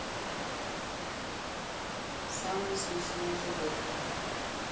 самые смешные животные